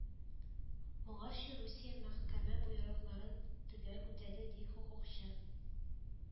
Моңарчы Русия мәхкәмә боерыкларын төгәл үтәде, ди хокукчы